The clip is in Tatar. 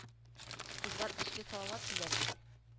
Узган эшкә салават диләр бит